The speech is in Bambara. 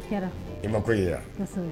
I ma ko i ye yan